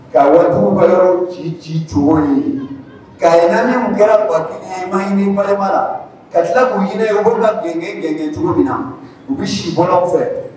Ka wa juguba ci ci cogo ye ka yɛlɛ kɛra waati ɲɛ ɲuman walima bala ka kila ku ɲini ye ko ka gɛn gɛn cogo min na u bɛ si bɔlɔn fɛ